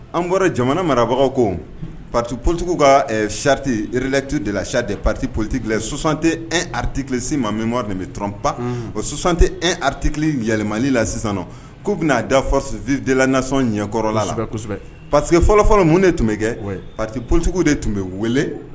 An bɔra jamana marabagaw ko pati politigiw ka caharitite irelati delac de pariti politisan tɛ e aritilesi ma min de bɛ tp o sɔsan tɛ e ritiki yɛlɛma la sisan k'u bɛna'a dafafabidlasɔn ɲɛkɔrɔ la pa fɔlɔfɔlɔ mun de tun bɛ kɛ pa polittigiw de tun bɛ wele